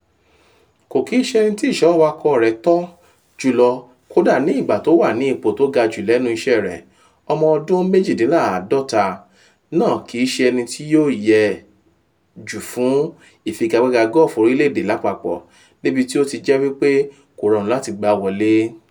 Kò kìíṣe ẹnítí ìṣọwọ́wakọ̀ rẹ̀ tọ́ jùlọ kóda ní ìgbà tó wà ní ìpò tó ga jù lẹ́nu iṣẹ́ rẹ̀, ọmọ ọdún 48 náà kìíṣe ẹní tó yẹ jù fún ìfigagbaga Gọ́ọ̀fù orílẹ̀ èdè lápapọ̀, níbi tí ó ti jẹ́ wípé kò rọrùn láti gbá wọ ilé.